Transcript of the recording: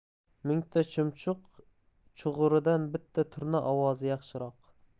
mingta chumchuq chug'uridan bitta turna ovozi yaxshiroq